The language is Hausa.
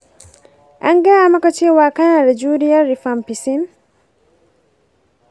an gaya maka cewa kana da juriyar rifampicin?